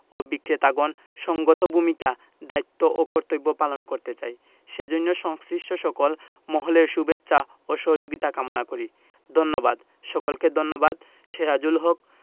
ও বিক্রেতাগণ সঙ্গত ভূমিকা দায়িত্ব ও কর্তব্য পালন করতে চাই সেজন্য সংশ্লিষ্ট সকল মহলের শুভেচ্ছা ও সহযোগিতা কামনা করি ধন্যবাদ সকলকে ধন্যবাদ সেরাজুল হক